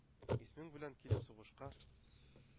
Исемең белән килеп сугышка,